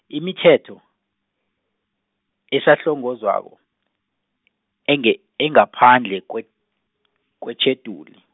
imithetho, esahlongozwako, enge- engaphandle, kwe-, kwetjheduli.